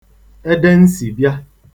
edensìbịa